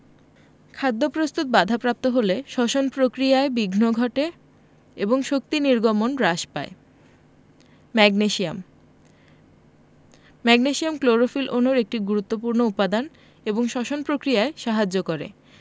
খাদ্যপ্রস্তুত বাধাপ্রাপ্ত হলে শ্বসন প্রক্রিয়ায় বিঘ্ন ঘটে এবং শক্তি নির্গমন হ্রাস পায় ম্যাগনেসিয়াম ম্যাগনেসিয়াম ক্লোরোফিল অণুর একটি গুরুত্বপুর্ণ উপাদান এবং শ্বসন প্রক্রিয়ায় সাহায্য করে